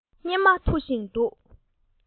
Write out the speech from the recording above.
སྙེ མ འཐུ བཞིན འདུག